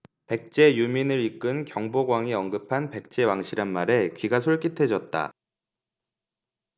백제 유민 이끈 경복왕그가 언급한 백제왕씨란 말에 귀가 솔깃해졌다